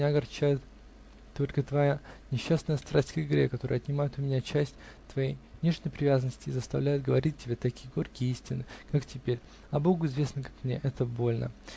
меня огорчает только твоя несчастная страсть к игре, которая отнимает у меня часть твоей нежной привязанности и заставляет говорить тебе такие горькие истины, как теперь, а Богу известно, как мне это больно!